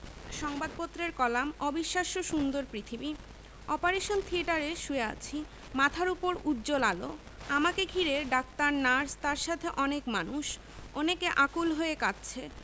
সংবাদপত্রের কলাম অবিশ্বাস্য সুন্দর পৃথিবী অপারেশন থিয়েটারে শুয়ে আছি মাথার ওপর উজ্জ্বল আলো আমাকে ঘিরে ডাক্তার নার্স তার সাথে অনেক মানুষ অনেকে আকুল হয়ে কাঁদছে